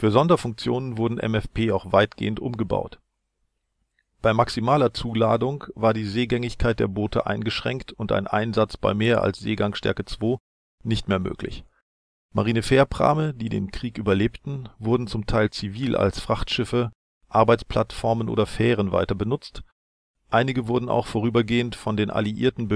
Sonderfunktionen wurden MFP auch weitgehend umgebaut. Bei maximaler Zuladung war die Seegängigkeit der Boote eingeschränkt und ein Einsatz bei mehr als Seegang Stärke 2 nicht mehr möglich. Marinefährprahme, die den Krieg überlebten, wurden zum Teil zivil als Frachtschiffe, Arbeitsplattformen oder Fähren weitergenutzt, einige wurden auch vorübergehend von den alliierten